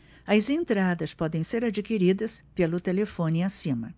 as entradas podem ser adquiridas pelo telefone acima